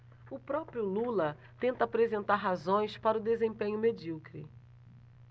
o próprio lula tenta apresentar razões para o desempenho medíocre